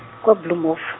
kwa Bloemhof.